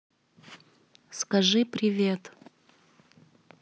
скажи привет